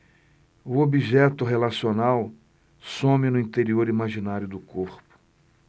o objeto relacional some no interior imaginário do corpo